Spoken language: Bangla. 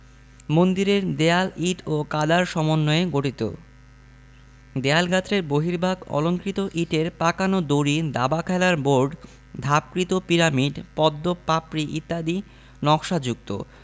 মন্দিরের দেয়াল ইট ও কাদার সমন্বয়ে গঠিত দেয়ালগাত্রের বহির্ভাগ অলঙ্কৃত ইটের পাকানো দড়ি দাবা খেলার বোর্ড ধাপকৃত পিরামিডপদ্ম পাপড়ি ইত্যাদি নকশাযুক্ত